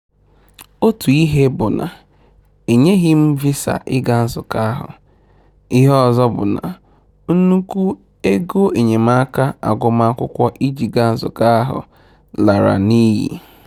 Otu ihe bụ na enyeghị m visa ịga nzukọ ahụ, ihe ọzọ bụ na nnukwu egoenyemaaka agụmakwụkwọ iji gaa nzukọ ahụ lara n'iyi.